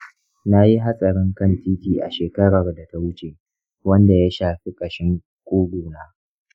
na yi hatsarin kan titi a shekarar da ta wuce wanda ya shafi ƙashin ƙugu na.